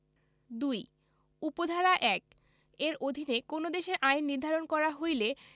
২ উপ ধারা ১ এর অধীনে কোন দেশের আইন নির্ধারণ করা হইলে